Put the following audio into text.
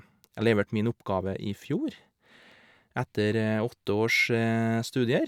Jeg leverte min oppgave i fjor, etter åtte års studier.